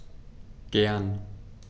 Gern.